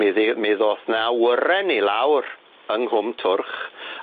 Mi ddi- mi ddoth 'na awyren i lawr yng Nghwmtwrch